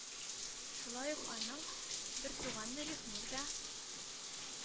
Шулай ук аның бертуганы рифнур да